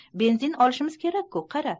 benzin olishimiz kerak ku